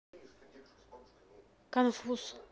конфуз